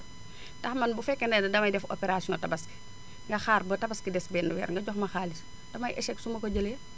ndax man bu fekkente ne damay def opération tabaski nga xaar ba tabaski des benn weer nga jox ma xaalis damay échec su ma jëlee